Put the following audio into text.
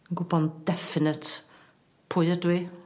Yn gwbo'n definate pwy ydw i